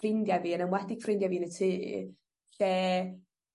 ffrindie fi yn enwedig ffrindie fi yn y tŷ lle